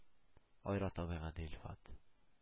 Айрат абыйга, ди Илфат